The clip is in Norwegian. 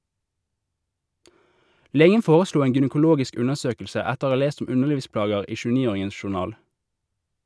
Legen foreslo en gynekologisk undersøkelse etter å ha lest om underlivsplager i 29-åringens journal.